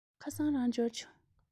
ཁ སང རང འབྱོར བྱུང